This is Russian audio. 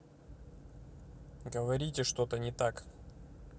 говорите что то не так